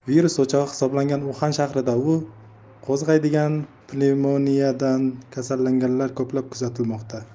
virus o'chog'i hisoblangan uxan shahrida u qo'zg'aydigan pnevmoniyadan kasallanganlar ko'plab kuzatilmoqda